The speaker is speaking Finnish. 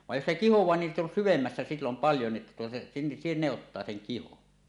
vaan jos se kihoaa niin sitten on syvemmässä silloin paljon niin että tuota - ne ottaa sen kihon